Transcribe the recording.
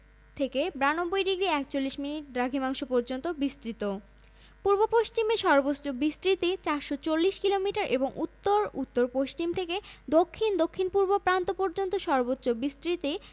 তাজিং ডং পর্বতমালার সর্বোচ্চ শৃঙ্গ বিজয় এর উচ্চতা ১হাজার ২৮০ মিটার এবং এটি রাঙ্গামাটি জেলার সাইচল পর্বতসারির অন্তর্ভূক্ত